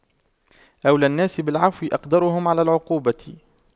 أولى الناس بالعفو أقدرهم على العقوبة